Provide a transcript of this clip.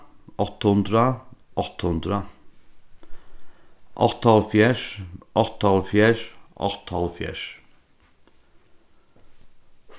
átta hundrað átta hundrað áttaoghálvfjerðs áttaoghálvfjerðs áttaoghálvfjerðs